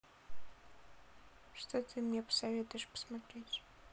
что ты мне посоветуешь посмотреть